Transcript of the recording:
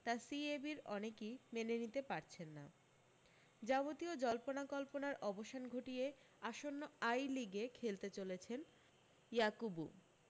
তা সিএবির অনেকই মেনে নিতে পারছেন না যাবতীয় জল্পনা কল্পনার অবসান ঘটিয়ে আসন্ন আই লিগে খেলতে চলেছেন ইয়াকুবু